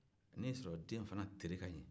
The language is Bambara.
ni sɔrɔ den fana tere ka ɲi